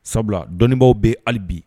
Sabula dɔnnibaw be in hali bi.